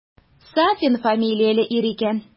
Сафин фамилияле ир икән.